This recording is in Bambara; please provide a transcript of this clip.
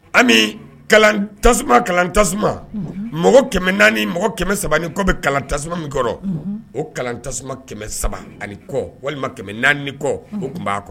Ami kalan tasuma kalan tasuma mɔgɔ kɛmɛ naani mɔgɔ kɛmɛ ni kɔ bɛ kalan tasuma min kɔrɔ o kalan tasuma kɛmɛ saba ani kɔ walima kɛmɛ naani kɔ o tun b'a kɔnɔ